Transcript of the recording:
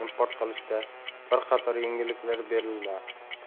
import qilishda bir qator yengilliklar beriladi